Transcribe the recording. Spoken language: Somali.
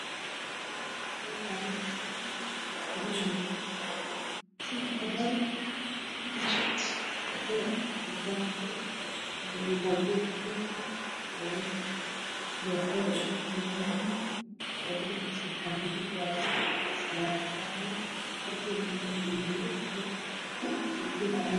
Meeshaan waa meel qurux badan waxaa marayo islaan wadata geel raran